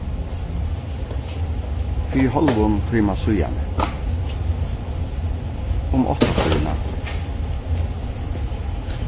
fyri hálvum tíma síðani um áttatíðina